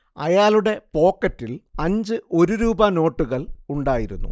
അയാളുടെ പോക്കറ്റിൽ അഞ്ചു ഒരുരൂപ നോട്ടുകൾ ഉണ്ടായിരുന്നു